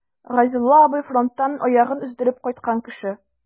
Гайзулла абый— фронттан аягын өздереп кайткан кеше.